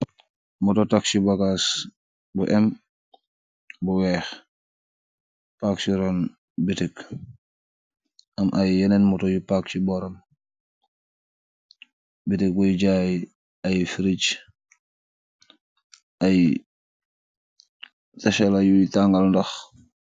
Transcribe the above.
Moto taxi bogaas bu em bu weex paak ci ron bitik, am ay yeneen moto yu paak ci booram. Bitik buy jaay ay firige ay satala yuy tàngal ndax.